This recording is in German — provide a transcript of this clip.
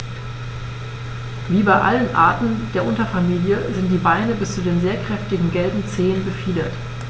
Wie bei allen Arten der Unterfamilie sind die Beine bis zu den sehr kräftigen gelben Zehen befiedert.